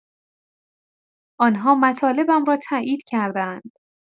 آن‌ها مطالبم را تایید کرده‌اند.